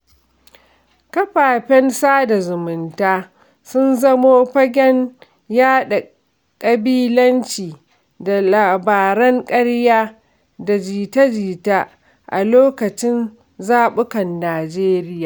Kafafen sada zumunta sun zamo fagen yaɗa ƙabilanci da labaran ƙarya da jita-jita a lokacin zaɓukan Nijeriya.